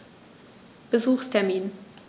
Besuchstermin